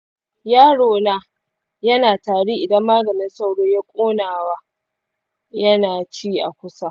yaro na yana tari idan maganin sauro na ƙonawa yana ci a kusa.